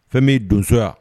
Fɛn bɛi donsoya